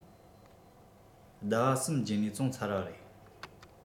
ཟླ བ གསུམ རྗེས ནས བཙོང ཚར བ རེད